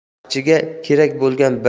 tarixchiga kerak bo'lgan